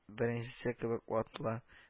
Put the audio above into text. Беренчесе кебек ватыла